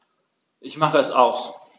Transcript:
Ich mache es aus.